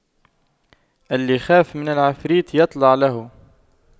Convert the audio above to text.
اللي يخاف من العفريت يطلع له